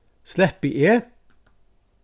sleppi eg